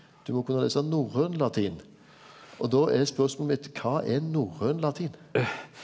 du må kunna lesa norrøn latin, og då er spørsmålet mitt kva er norrøn latin?